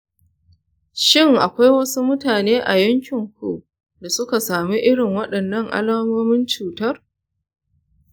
shin akwai wasu mutane a yankinku da suka sami irin waɗannan alamomin cutar?